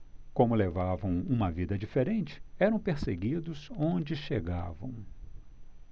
como levavam uma vida diferente eram perseguidos onde chegavam